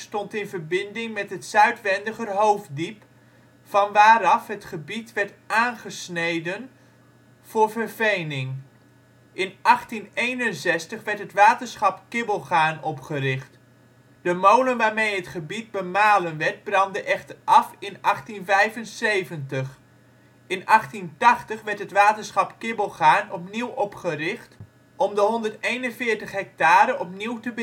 Zuidwendiger Hoofddiep, van waaraf het gebied werd aangesneden voor vervening. In 1861 werd het waterschap Kibbelgaarn opgericht. De molen waarmee het gebied bemalen werd brandde echter af in 1875. In 1880 werd het waterschap Kibbelgaarn opnieuw opgericht om de 141 ha opnieuw te beheren